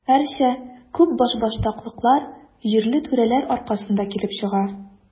Гәрчә, күп башбаштаклыклар җирле түрәләр аркасында килеп чыга.